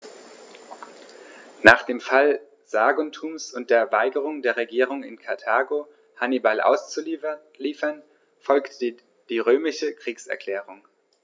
Nach dem Fall Saguntums und der Weigerung der Regierung in Karthago, Hannibal auszuliefern, folgte die römische Kriegserklärung.